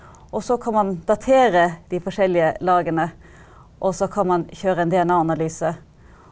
og så kan man datere de forskjellige lagene, og så kan man kjøre en DNA-analyse.